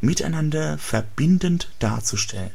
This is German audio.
miteinander verbindend darzustellen.